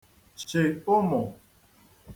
chị ụmù